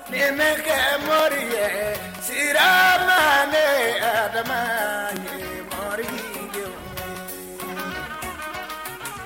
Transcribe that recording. Nininɛ kɛ mori ye sirajɛ ma ni a den mɔ yo